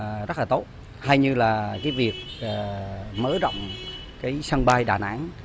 rất là tốt hay như là cái việc mở rộng cái sân bay đà nẵng